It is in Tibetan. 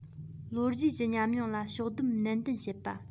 ལོ རྒྱུས ཀྱི ཉམས མྱོང ལ ཕྱོགས བསྡོམས ནན ཏན བྱེད པ